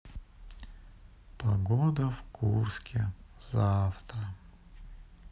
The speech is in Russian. погода в курске завтра